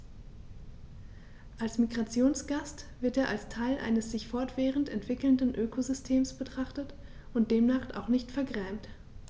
Als Migrationsgast wird er als Teil eines sich fortwährend entwickelnden Ökosystems betrachtet und demnach auch nicht vergrämt.